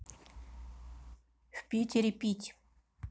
в питере пить